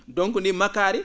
donc ndiin makkaari